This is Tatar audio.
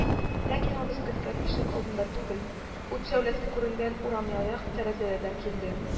Ләкин ул без көткән ишек алдында түгел, ут шәүләсе күренгән урамъя як тәрәзәдән килде